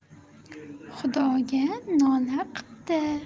xudoga nola qipti